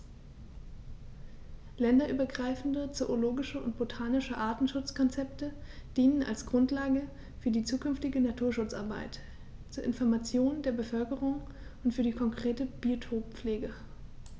Länderübergreifende zoologische und botanische Artenschutzkonzepte dienen als Grundlage für die zukünftige Naturschutzarbeit, zur Information der Bevölkerung und für die konkrete Biotoppflege.